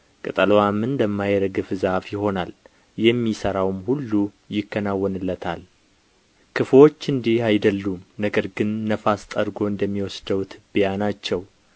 ቅጠልዋም እንደማይረግፍ ዛፍ ይሆናል የሚሠራውም ሁሉ ይከናወንለታል ክፉዎች እንዲህ አይደሉም ነገር ግን ነፋስ ጠርጎ እንደሚወስደው ትቢያ ናቸው